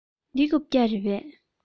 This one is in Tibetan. འདི རྐུབ བཀྱག རེད པས